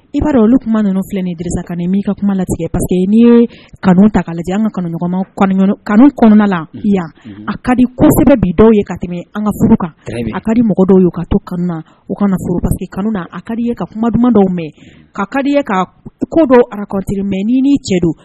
I b'a dɔn olu kuma ninnu filɛ ni disa kan min ka kuma latigɛ pate n'i ye kanu ta lajɛ an ka kanuma kanu kɔnɔna la yan a kadi ko kosɛbɛ bi dɔw ye ka tɛmɛ an ka furu kan a kadi mɔgɔ dɔw ye ka to kanu na u kana foroba kanu na a kadi ye ka kuma duman dɔw mɛn ka kadi ye ka kodɔn akte mɛn cɛ don